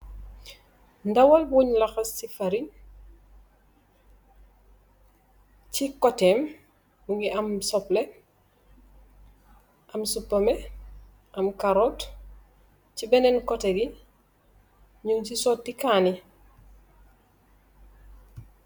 Ndawal bung lahas si foring si kutem mogi am sople am supameh am carrot si bene koteh gi nyun si soti kani.